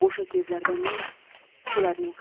o'sha kezlarda men shularning